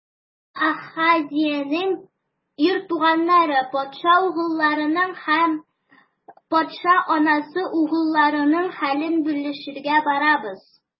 Без - Ахазеянең ир туганнары, патша угылларының һәм патша анасы угылларының хәлен белешергә барабыз.